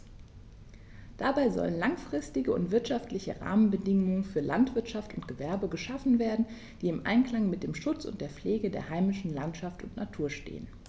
Dabei sollen langfristige und wirtschaftliche Rahmenbedingungen für Landwirtschaft und Gewerbe geschaffen werden, die im Einklang mit dem Schutz und der Pflege der heimischen Landschaft und Natur stehen.